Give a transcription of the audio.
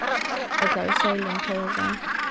ella við serligum tørvi